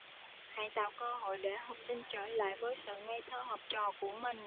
hãy tạo cơ hội để học sinh trở lại với sự ngây thơ học trò của mình